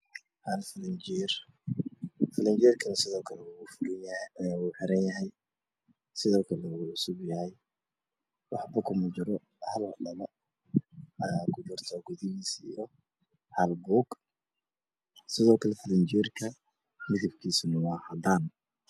Waa uu xiranyahay gurigaan waxa uu leeyahay hal albaab iyo afar daaqadood midkamid ah daaqadaha waa ay furanyihiin